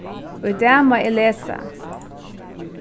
í dag má eg lesa